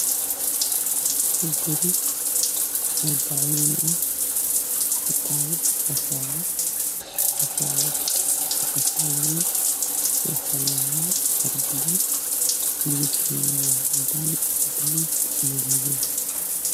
Halkaan waxaa ka muuqdo qol ay ku jirto qasaalad midabkeedu waa cadaan, buluug iyo madaw